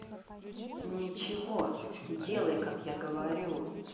ничего делай как я говорю